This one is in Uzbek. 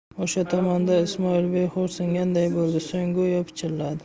o'sha tomonda ismoilbey xo'rsinganday bo'ldi so'ng go'yo pichirladi